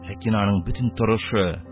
Ләкин аның бөтен торышы: